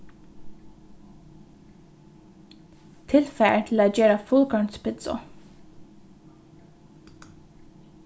tilfar til at gera fullkornspitsu